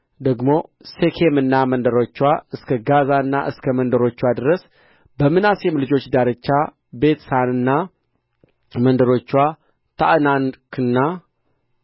ደግሞ ሴኬምና መንደሮችዋ እስከ ጋዛና እስከ መንደሮችዋ ድረስ በምናሴም ልጆች ዳርቻ ቤትሳንና መንደሮችዋ ታዕናክና